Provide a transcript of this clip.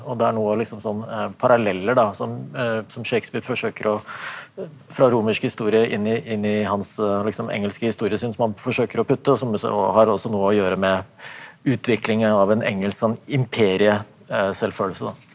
og det er noe liksom sånn paralleller da som som Shakespeare forsøker å fra romersk historie inn i inn i hans liksom engelske historie han forsøker å putte og som og har også noe å gjøre med utviklingen av en engelsk sånn imperieselvfølelse da.